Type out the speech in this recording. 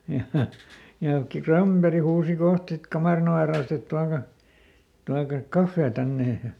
ja ja - Granberg huusi kohta sitten kamarin oven raosta että tuokaa tuokaa kahvia tänne ja